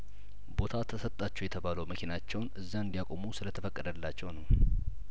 ቦታ ተሰጣቸው የተባለው መኪናቸውን እዚያእንዲ ያቆሙ ስለተፈቀደላቸው ነው